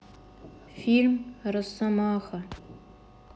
фильм росомаха